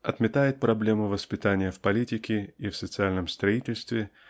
отметает проблему воспитания в политике и в социальном строительстве